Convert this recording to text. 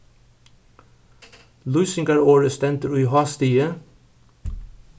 lýsingarorðið stendur í hástigi